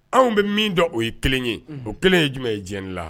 Anw bɛ min dɔn o ye kelen ye o kelen ye jumɛn ye j la